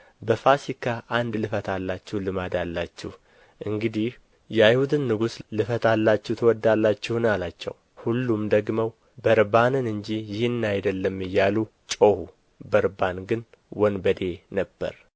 በፋሲካ አንድ ልፈታላችሁ ልማድ አላችሁ እንግዲህ የአይሁድን ንጉሥ ልፈታላችሁ ትወዳላችሁን አላቸው ሁሉም ደግመው በርባንን እንጂ ይህን አይደለም እያሉ ጮኹ በርባን ግን ወንበዴ ነበረ